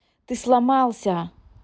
ты сломался